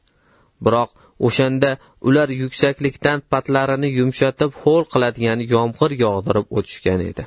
biroq o'shanda ular yuksaklikdan patlarni yumshatib ho'l qiladigan yomg'ir yog'dirib o'tishgan edi